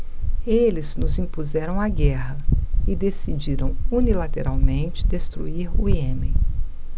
eles nos impuseram a guerra e decidiram unilateralmente destruir o iêmen